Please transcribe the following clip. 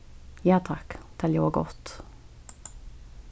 ja takk tað ljóðar gott